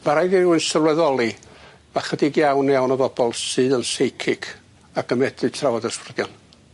Ma' raid i rywun sylweddoli ma' chydig iawn iawn o bobol sydd yn seicig ac yn medru trafod ysbrydion.